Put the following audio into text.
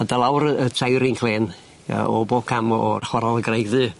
A do' lawr y y tair un clên yy o bob cam o'r Chwaral y Graig Ddu.